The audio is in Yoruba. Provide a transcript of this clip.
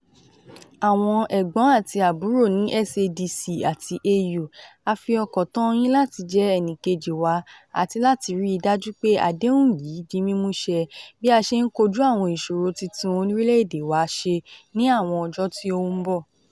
Àwọn Ẹ̀gbọ́n àti àbúrò ní SADC àti AU, a fi ọkàn tán yín láti jẹ́ ẹni kejì wa àti láti ríi dájú pé àdéhùn yìí di mímú ṣẹ bí a ṣe ń kojú àwọn ìṣòro títún orílẹ̀ èdè wa ṣe ní àwọn ọjọ́ tí ó ń bọ̀.